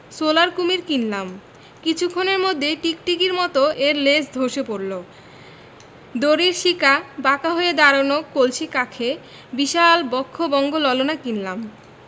solar কুমীর কিনলাম কিছুক্ষণের মধ্যেই টিকটিকির মত এর ল্যাজ ধসে পড়ল দড়ির শিকা বাঁকা হয়ে দাঁড়ানো কলসি কাঁখে বিশাল বক্ষ বঙ্গ ললনা কিনলাম